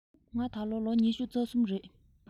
ང ད ལོ ལོ ཉི ཤུ རྩ གསུམ ཡིན